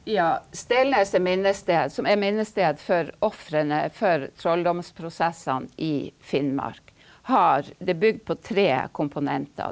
ja Steilneset minnested, som er minnested for ofrene for trolldomsprosessene i Finnmark, har det er bygd på tre komponenter.